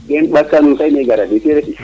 ken mbaat ka nuun kay maxey gara teen ndiki